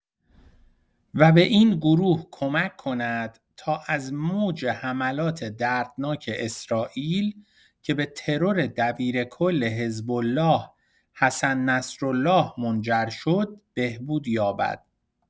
و به این گروه کمک کند تا از موج حملات دردناک اسرائیل که به ترور دبیرکل حزب‌الله، حسن نصرالله منجر شد، بهبود یابد.